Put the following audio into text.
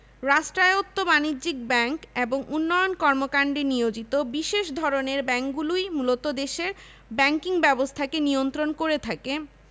রাষ্ট্রায়ত্ত বাণিজ্যিক ব্যাংক এবং উন্নয়ন কর্মকান্ডে নিয়োজিত বিশেষ ধরনের ব্যাংকগুলোই মূলত দেশের ব্যাংকিং ব্যবস্থাকে নিয়ন্ত্রণ করে থাকে